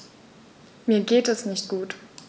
Mir geht es nicht gut.